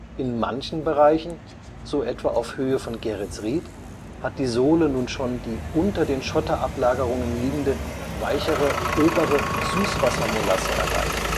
In manchen Bereichen, so etwa auf Höhe von Geretsried, hat die Sohle nun schon die unter den Schotterablagerungen liegende, weichere Obere Süßwassermolasse erreicht